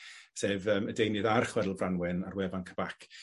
sef ym y deunydd ar chwedl Branwen ar wefan cabac